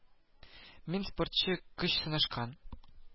Мин спортчы көч сынашкан